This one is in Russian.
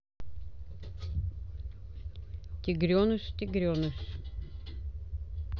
тигреныш тигреныш